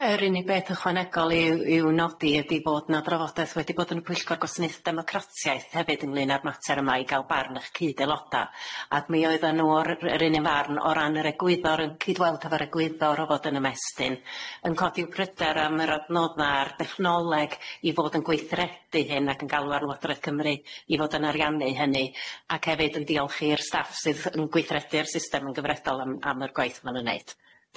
Yr unig beth ychwanegol i'w i'w nodi ydi fod 'na drafodaeth wedi bod yn y Pwyllgor Gwasanaeth Democratiaeth hefyd ynglyn â'r mater yma i ga'l barn 'ych cyd-eloda a mi oeddan nw o'r yr un un farn o ran yr egwyddor yn cydweld hefo'r egwyddor o fod yn ymestyn yn codi'w pryder am yr adnodda a'r dechnoleg i fod yn gweithredu hyn ac yn galw ar lwodrath Cymru i fod yn ariannu hynny ac hefyd yn diolchi i'r staff sydd yn gweithredu'r system yn gyfredol am am yr gwaith ma' nw'n neud.